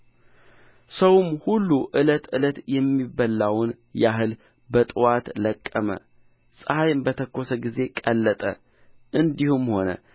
ሰውም ሁሉ ዕለት ዕለት የሚበላውን ያህል በጥዋት ለቀመ ፀሐይም በተኰሰ ጊዜ ቀለጠ እንዲህም ሆነ